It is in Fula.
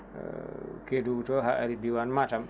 Kedougou to ha ari diwan Matam